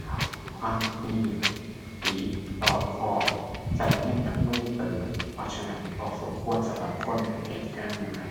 ขาดความมีสติ รอบคอบ ใช้เงินแบบมือเติบ เพราะฉะนั้นบ่สมควรสำหรับคนเฮ็ดงานใหม่ใหม่